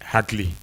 Hakili